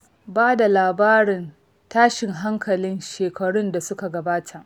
Ba da labarin tashin hankalin shekarun da suka gabata